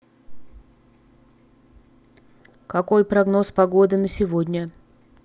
какой прогноз погоды на сегодня